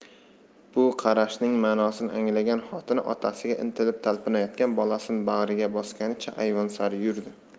bu qarashning ma'nosini anglagan xotini otasiga intilib talpinayotgan bolasini bag'riga bosganicha ayvon sari yurdi